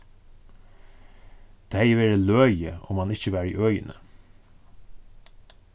tað hevði verið løgið um hann ikki var í øðini